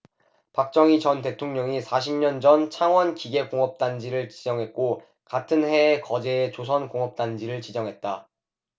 박정희 전 대통령이 사십 년전 창원기계공업단지를 지정했고 같은해에 거제에 조선공업단지를 지정했다